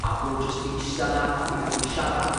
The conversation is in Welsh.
a bo' n'w jyst 'di ista 'na a 'di gallu siarad